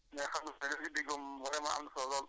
Ngor Sagna Sow dëkk kell na ngeen def